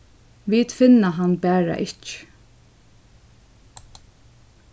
vit finna hann bara ikki